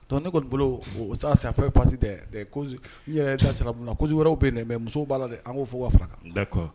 Dɔnku ne ko bolo sa sap pa dɛ yɛrɛ da siranasi wɛrɛ bɛ yen mɛ musow b'a la an'o fɔ ka faga